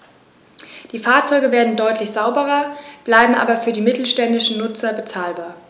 Die Fahrzeuge werden deutlich sauberer, bleiben aber für die mittelständischen Nutzer bezahlbar.